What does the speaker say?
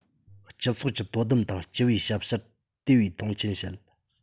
སྤྱི ཚོགས ཀྱི དོ དམ དང སྤྱི པའི ཞབས ཞུར དེ བས མཐོང ཆེན བྱེད